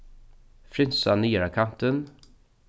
frynsa niðara kantin